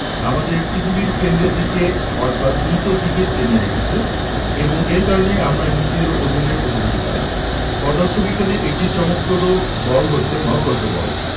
আমাদের পৃথিবীর কেন্দ্রের দিকে অর্থাৎ নিচের দিকে টেনে রেখেছে এবং এর কারণেই আমরা নিজেদের ওজনের অনুভূতি পাই পদার্থবিজ্ঞানের একটি চমকপ্রদ বল হচ্ছে মহাকর্ষ বল